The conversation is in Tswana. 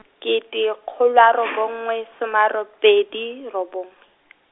kete kgolo a robongwe some a robedi robongwe .